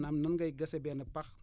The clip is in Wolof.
maanaam nan ngay gasee benn pax